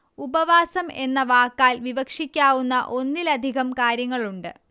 ഉപവാസം എന്ന വാക്കാൽ വിവക്ഷിക്കാവുന്ന ഒന്നിലധികം കാര്യങ്ങളുണ്ട്